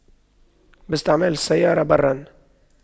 باستعمال السيارة برا